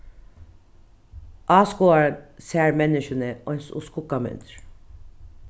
áskoðarin sær menniskjuni eins og skuggamyndir